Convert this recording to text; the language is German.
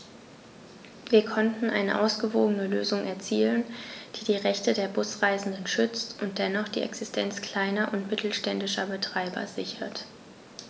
Wir konnten eine ausgewogene Lösung erzielen, die die Rechte der Busreisenden schützt und dennoch die Existenz kleiner und mittelständischer Betreiber sichert.